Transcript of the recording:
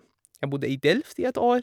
Jeg bodde i Delft i et år.